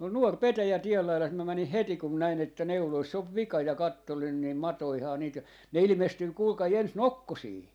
on nuori petäjä tien laidassa minä menin heti kun minä näin että neuloissa on vika ja katselin niin matojahan niitä ja ne ilmestyy kuulkaa ensin nokkosiin